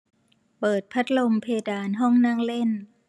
เปิดพัดลมเพดานห้องนั่งเล่น